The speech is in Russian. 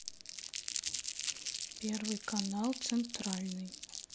первый канал центральный